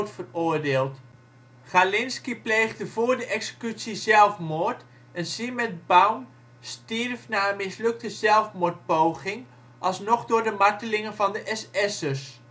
veroordeeld. Galinski pleegde voor de executie zelfmoord, en Zimetbaum stierf na een mislukte zelfmoordpoging alsnog door de martelingen van SS'ers